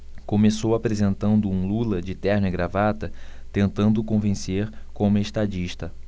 começou apresentando um lula de terno e gravata tentando convencer como estadista